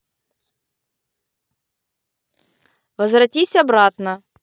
возвратись обратно